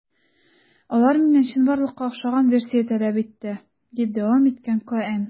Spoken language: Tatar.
Алар миннән чынбарлыкка охшаган версия таләп итте, - дип дәвам иткән Коэн.